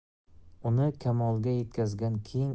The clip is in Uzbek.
uni kamolga yetkazgan